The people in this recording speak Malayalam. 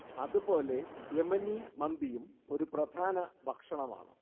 അത് പോലെ യെമനി മന്തിയും ഒരു പ്രധാന ഭക്ഷണമാണ്